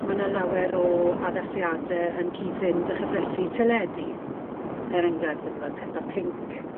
Ma' 'na lawer o addasiade yn cyd-fynd â chyfresi teledu, er enghraifft pethe fel Peppa Pink.